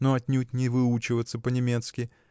но отнюдь не выучиваться по-немецки